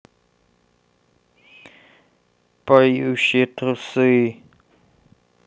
поющие трусы